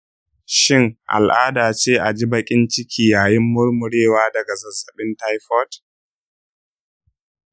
shin al’ada ce a ji baƙin ciki yayin murmurewa daga zazzabin typhoid?